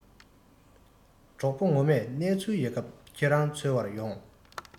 གྲོགས པོ ངོ མས གནས ཚུལ ཡོད སྐབས ཁྱེད རང འཚོལ བར འོང